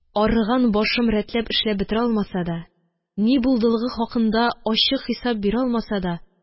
Арыган башым рәтләп эшләп бетерә алмаса да, ни булдылыгы хакында ачык хисап бирә алмаса да,